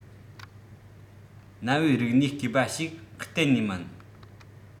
གནའ བོའི རིག དངོས རྐུས བ ཞིག གཏན ནས མིན